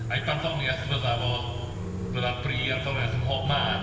A'i barddoniaeth fyddai fo... Fyddai'r bri ar farddoniaeth ymhob man?